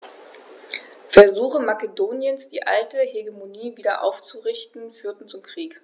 Versuche Makedoniens, die alte Hegemonie wieder aufzurichten, führten zum Krieg.